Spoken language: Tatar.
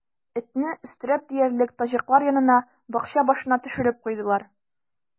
Этне, өстерәп диярлек, таҗиклар янына, бакча башына төшереп куйдылар.